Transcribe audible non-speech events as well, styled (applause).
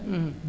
(hesitation) (hesitation)